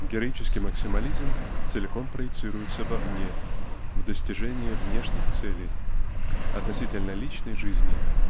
Героический максимализм целиком проецируется вовне в достижении внешних целей относительно личной жизни